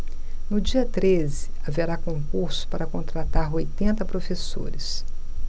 no dia treze haverá concurso para contratar oitenta professores